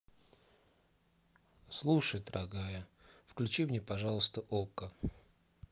слушай дорогая включи мне пожалуйста окко